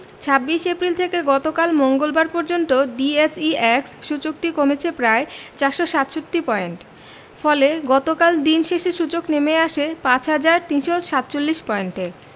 ২৬ April থেকে গতকাল মঙ্গলবার পর্যন্ত ডিএসইএক্স সূচকটি কমেছে প্রায় ৪৬৭ পয়েন্ট ফলে গতকাল দিন শেষে সূচক নেমে আসে ৫ হাজার ৩৪৭ পয়েন্টে